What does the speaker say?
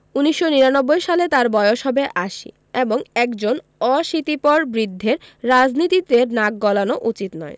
১৯৯৯ সালে তাঁর বয়স হবে আশি এবং একজন অশীতিপর বৃদ্ধের রাজনীতিতে নাক গলানো উচিত নয়